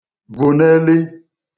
vùneli